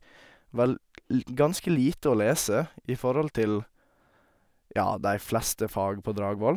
veld ldn Ganske lite å lese i forhold til, ja, de fleste fag på Dragvoll.